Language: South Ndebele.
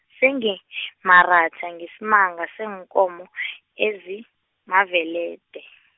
sengimaratha ngesimanga seenkomo , ezimavelede.